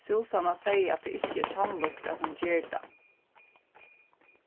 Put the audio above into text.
súsanna segði at tað ikki er sannlíkt at hon ger tað